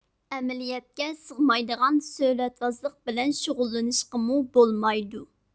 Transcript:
ئەمەلىيەتكە سىغمايدىغان سۆلەتۋازلىق بىلەن شۇغۇللىنىشقىمۇ بولمايدۇ